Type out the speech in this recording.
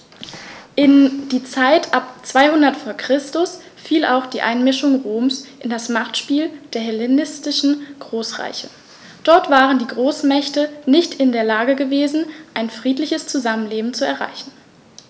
In die Zeit ab 200 v. Chr. fiel auch die Einmischung Roms in das Machtspiel der hellenistischen Großreiche: Dort waren die Großmächte nicht in der Lage gewesen, ein friedliches Zusammenleben zu erreichen.